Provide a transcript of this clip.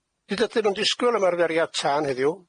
Hyd ydyn nw'n disgwyl ymarferiad tân heddiw.